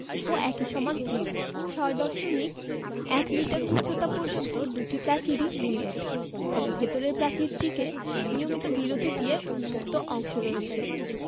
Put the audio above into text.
ও একই সমান পুরু ৬দশমিক ১ মিটার উচ্চতা পর্যন্ত দুটি প্রাচীরই নিরেট তবে ভেতরের প্রাচীরটিতে নিয়মিত বিরতি দিয়ে উন্মুক্ত অংশ রয়েছে